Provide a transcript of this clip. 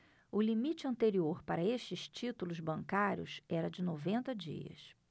o limite anterior para estes títulos bancários era de noventa dias